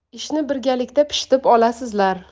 ishni birgalikda pishitib olasizlar